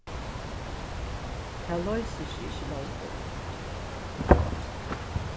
tað loysir seg ikki longur